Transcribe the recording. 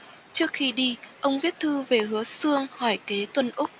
trước khi đi ông viết thư về hứa xương hỏi kế tuân úc